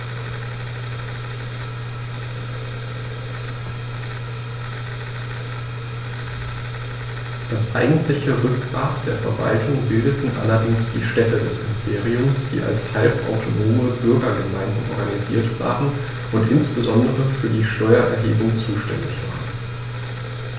Das eigentliche Rückgrat der Verwaltung bildeten allerdings die Städte des Imperiums, die als halbautonome Bürgergemeinden organisiert waren und insbesondere für die Steuererhebung zuständig waren.